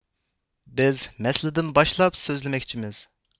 بىز مەسىلىدىن باشلاپ سۆزلىمەكچىمىز